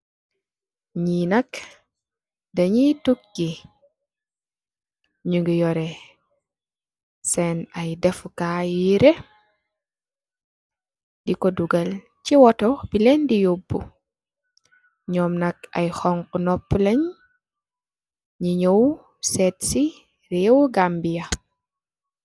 Ñii nak, da ñooy tukki. Ñu ngi yoree, seen ay defu kaay yiree, dikko duggal si otto bi leen di yoobu. Ñom nak, ay xönxu noopu lañg, ñu ñaw, sëët si rëw i Gambiya.